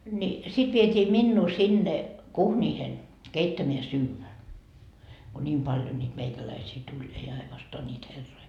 niin sitten vietiin minua sinne kuhniin keittämään syödä kun niin paljon nyt meikäläisiä tuli ei ainoastaan niitä herroja